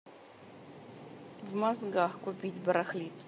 в мозгах купить барахлит